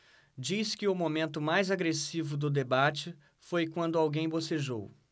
diz que o momento mais agressivo do debate foi quando alguém bocejou